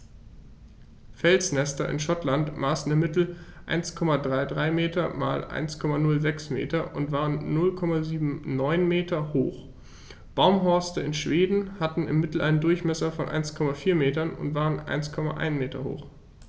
Felsnester in Schottland maßen im Mittel 1,33 m x 1,06 m und waren 0,79 m hoch, Baumhorste in Schweden hatten im Mittel einen Durchmesser von 1,4 m und waren 1,1 m hoch.